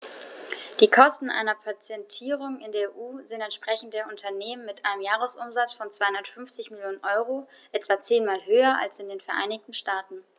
Die Kosten einer Patentierung in der EU sind, entsprechend der Unternehmen mit einem Jahresumsatz von 250 Mio. EUR, etwa zehnmal höher als in den Vereinigten Staaten.